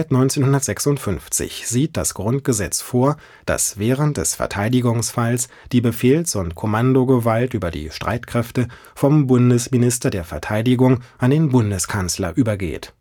1956 sieht das Grundgesetz vor, dass während des Verteidigungsfalls die Befehls - und Kommandogewalt über die Streitkräfte vom Bundesminister der Verteidigung an den Bundeskanzler übergeht